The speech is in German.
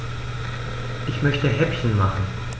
Ich möchte Häppchen machen.